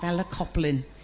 fel y coblyn.